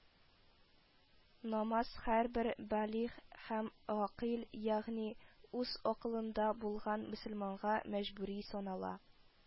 Намаз һәрбер балигъ һәм гакыйль, ягъни үз акылында булган мөселманга мәҗбүри санала